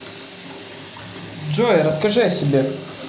джой расскажи о себе